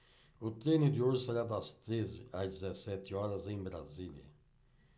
o treino de hoje será das treze às dezessete horas em brasília